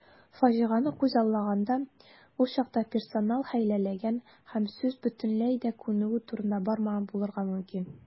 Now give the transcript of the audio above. Фаҗигане күзаллаганда, ул чакта персонал хәйләләгән һәм сүз бөтенләй дә күнегү турында бармаган булырга мөмкин.